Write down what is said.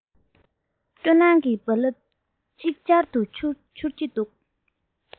སྐྱོ སྣང གི རྦ རླབས ཅིག ཅར དུ འཕྱུར གྱི འདུག